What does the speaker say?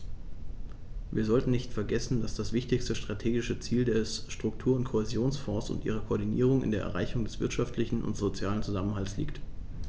Wir sollten nicht vergessen, dass das wichtigste strategische Ziel der Struktur- und Kohäsionsfonds und ihrer Koordinierung in der Erreichung des wirtschaftlichen und sozialen Zusammenhalts liegt.